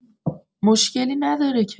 مشکلی نداره که؟